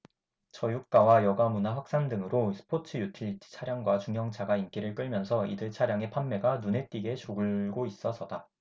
저유가와 여가문화 확산 등으로 스포츠유틸리티차량과 중형차가 인기를 끌면서 이들 차량의 판매가 눈에 띄게 줄고 있어서다